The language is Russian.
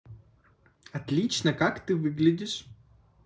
отлично как ты выглядишь